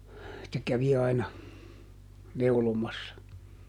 se kävi aina neulomassa